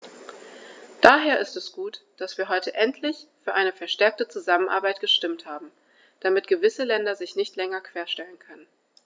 Daher ist es gut, dass wir heute endlich für eine verstärkte Zusammenarbeit gestimmt haben, damit gewisse Länder sich nicht länger querstellen können.